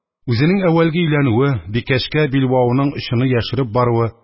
Үзенең әүвәлге өйләнүе, бикәчкә билбавының очыны яшереп баруы,